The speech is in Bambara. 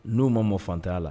N'u ma mɔn fantanya la.